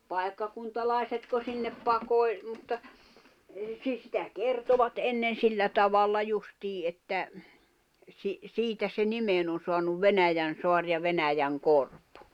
paikkakuntalaisetko sinne pakoili mutta - sitä kertoivat ennen sillä tavalla justiin että - siitä se nimen on saanut Venäjänsaari ja Venäjänkorpi